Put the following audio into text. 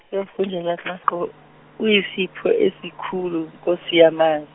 uyisipho esikhulu, Nkosi yama-.